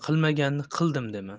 qilmaganni qildim dema